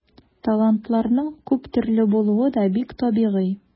Талантларның күп төрле булуы да бик табигый.